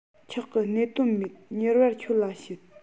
ཆོག གི གནད དོན མེད མྱུར བར ཁྱོད ལ བཤད